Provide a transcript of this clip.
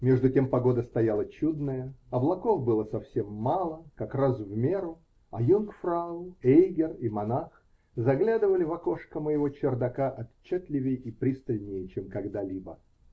Между тем погода стояла чудная, облаков было совсем мало, как раз в меру, а Юнгфрау, Эйгер и Монах заглядывали в окошко моего чердака отчетливей и пристальнее, чем когда-либо.